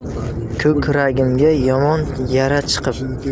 ko'kragimga yomon yara chiqib